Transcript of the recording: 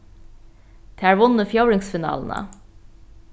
tær vunnu fjórðingsfinaluna